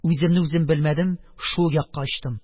Үземне үзем белмәдем, шул якка очтым.